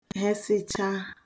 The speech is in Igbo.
hesịchaa